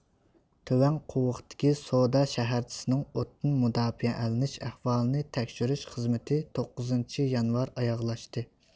تۆۋەن قوۋۇقتىكى سودا شەھەرچىسىنىڭ ئوتتىن مۇداپىئەلىنىش ئەھۋالىنى تەكشۈرۈش خىزمىتى توققۇزىنچى يانۋار ئاياغلاشتى